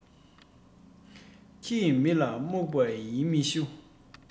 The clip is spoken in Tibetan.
ཁྱི ཡིས མི ལ རྨྱུག པ ཡིན མི ཞུ